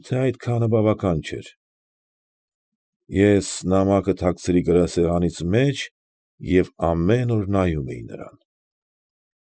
Մի՞թե այդքանը բավական չէր։ Ես նամակը թաքցրի գրասեղանիս մեջ և ամեն օր նայում էի նրան։